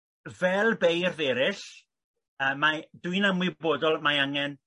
fel beirdd erill yy mae dwi'n ymwybodol mae angen